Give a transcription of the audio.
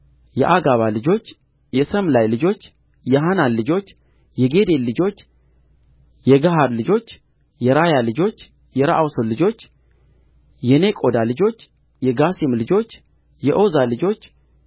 የአጋባ ልጆች የሰምላይ ልጆች የሐናን ልጆች የጌዴል ልጆች የጋሐር ልጆች የራያ ልጆች የረአሶን ልጆች የኔቆዳ ልጆች የጋሴም ልጆች የዖዛ ልጆች